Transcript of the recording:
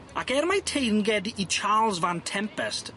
Ac er mai teyrnged i Charles van Tempest